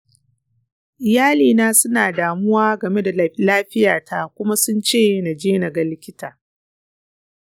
iyalina suna damuwa game da lafiyata kuma sun ce na je naga likita.